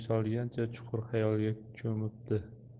solgancha chuqur xayolga cho'mibdi